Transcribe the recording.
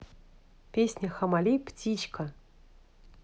песня hammali птичка